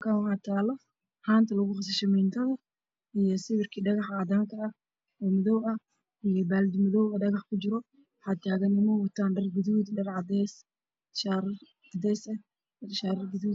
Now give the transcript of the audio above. Halkaan waxaa taalo haanta lugu qaso shamiitada iyo dhagaxa cadaan ka ah, baaldi madow ah oo dhagax kujirto, waxaa taagan niman wato dhar gaduud, dhar cadeys, shaarar gaduud ah iyo shaarar bigeys ah.